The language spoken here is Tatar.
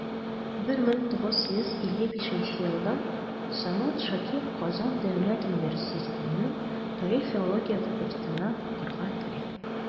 1951 елда самат шакир казан дәүләт университетының тарих-филология факультетына укырга керә.